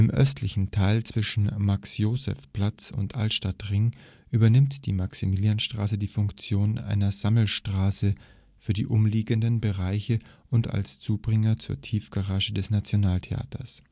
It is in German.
östlichen Teil zwischen Max-Joseph-Platz und Altstadtring übernimmt die Maximilianstraße die Funktion einer Sammelstraße für die umliegenden Bereiche und als Zubringer zur Tiefgarage des Nationaltheaters